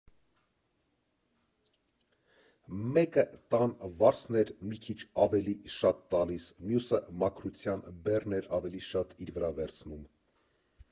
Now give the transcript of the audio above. Մեկը տան վարձն էր մի քիչ ավելի շատ տալիս, մյուսը մաքրության բեռն էր ավելի շատ իր վրա վերցնում։